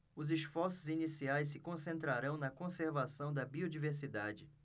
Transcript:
os esforços iniciais se concentrarão na conservação da biodiversidade